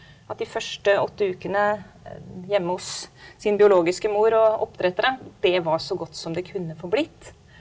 at de første åtte ukene hjemme hos sin biologiske mor og oppdrettere, det var så godt som det kunne få blitt.